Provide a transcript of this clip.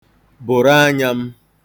bụrụ anyā m̄